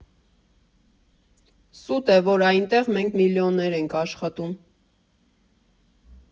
Սուտ է, որ այնտեղ մենք միլիոններ ենք աշխատում։